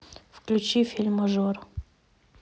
включи фильм мажор